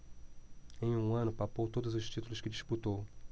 em um ano papou todos os títulos que disputou